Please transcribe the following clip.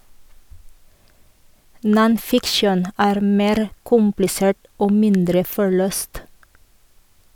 "Non-Fiction" er mer komplisert og mindre forløst.